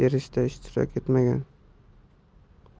yana biri ovoz berishda ishtirok etmagan